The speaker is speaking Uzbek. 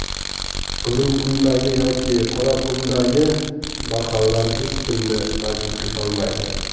qizilqumdagi yoki qoraqumdagi barxanlar hech kimni taajjubga solmaydi